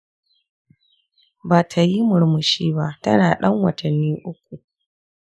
ba ta yi murmushi ba tana ɗan watanni uku.